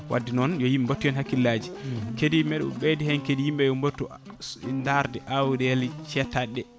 wadde noon yo yimɓe mbattu hen hakkillaji kadi yimɓeɓe mi ɓeyda hen kadi yimɓeɓe yo mbattu daarde awɗele cettaɗeɗe